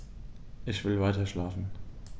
Ich will weiterschlafen.